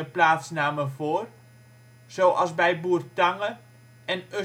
plaatsnamen voor, zoals bij Bourtange en Usquert